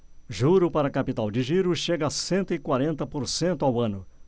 juro para capital de giro chega a cento e quarenta por cento ao ano